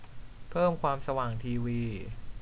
เพิ่มความสว่างทีวี